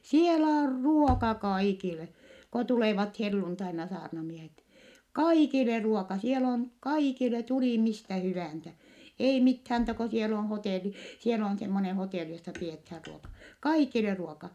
siellä on ruoka kaikille kun tulevat helluntaina saarnamiehet kaikille ruoka siellä on kaikille tuli mistä hyvänsä ei mitään muuta kuin siellä on hotelli siellä on semmoinen hotelli jossa pidetään ruoka kaikille ruoka